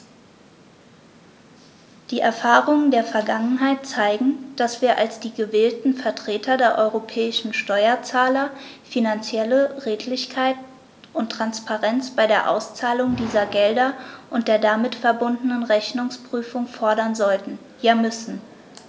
Die Erfahrungen der Vergangenheit zeigen, dass wir als die gewählten Vertreter der europäischen Steuerzahler finanzielle Redlichkeit und Transparenz bei der Auszahlung dieser Gelder und der damit verbundenen Rechnungsprüfung fordern sollten, ja müssen.